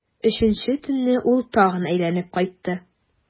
Өченче төнне ул тагын әйләнеп кайтты.